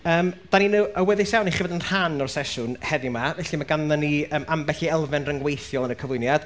yym dan ni'n y- awyddus iawn i chi fod yn rhan o'r sesiwn heddiw 'ma, felly ma' ganddon ni yym ambell i elfen ryngweithiol yn y cyflwyniad,